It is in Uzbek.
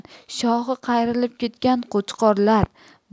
shoxi qayrilib ketgan qo'chqorlar